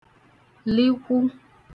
likwu